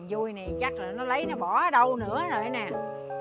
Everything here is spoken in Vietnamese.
vui chắc nó lấy nó bỏ đâu nữa nè